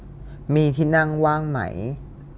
มีที่นั่งว่างไหม